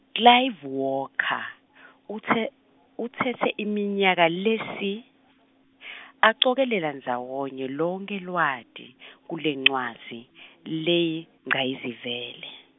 Clive Walker , utse- utsetse iminyaka lesi, acokelela ndzawonye lonkhe lwati , kulencwadzi , leyingcayizivela.